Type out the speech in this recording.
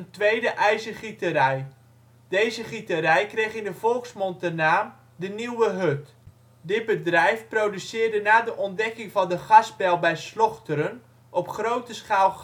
tweede ijzergieterij. Deze gieterij kreeg in de volksmond de naam " de nieuwe hut ". Dit bedrijf produceerde na de ontdekking van de gasbel bij Slochteren op grote schaal